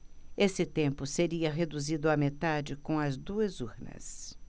esse tempo seria reduzido à metade com as duas urnas